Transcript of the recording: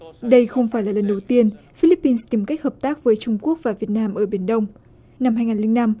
đây không phải là lần đầu tiên phi líp pin tìm cách hợp tác với trung quốc và việt nam ở biển đông năm hai ngàn linh năm